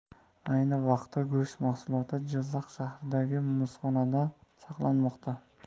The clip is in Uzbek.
ayni vaqtda go'sht mahsuloti jizzax shahridagi muzxonada saqlanmoqda